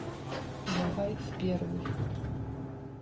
давай в первый